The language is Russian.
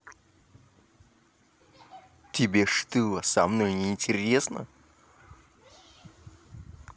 тебе что со мной не интересно